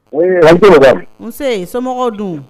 O nse somɔgɔw dun